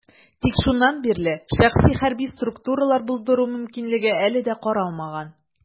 Тик шуннан бирле шәхси хәрби структуралар булдыру мөмкинлеге әле дә каралмаган.